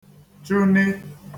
chụni